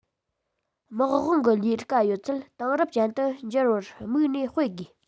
དམག དཔུང གི ལས ཀ ཡོད ཚད དེང རབས ཅན དུ འགྱུར བར དམིགས ནས སྤེལ དགོས